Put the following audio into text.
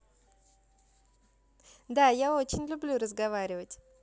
да я очень люблю разговаривать